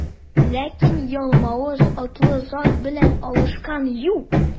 Ләкин Ялмавыз атлы зат белән алышкан юк.